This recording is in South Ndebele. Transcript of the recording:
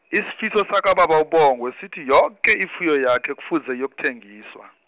isifiso sakababa uBongwe sithi yoke, ifuyo yakhe kufuze iyokuthengiswa.